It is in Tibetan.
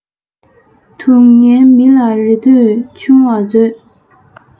དུང ངན མི ལ རེ ལྟོས ཆུང བར མཛོད